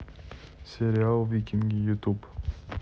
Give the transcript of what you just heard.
сериал викинги ютуб